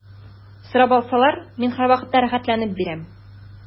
Сорап алсалар, мин һәрвакытта рәхәтләнеп бирәм.